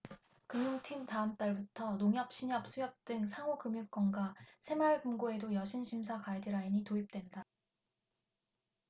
금융팀 다음 달부터 농협 신협 수협 등 상호금융권과 새마을금고에도 여신심사 가이드라인이 도입된다